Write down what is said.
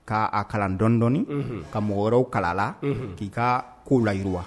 Ka a kalan dɔɔni dɔɔni ka mɔgɔ wɛrɛw kalan la ki ka kow layiwa.